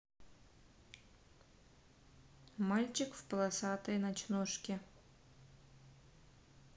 мальчик в полосатой ночнушке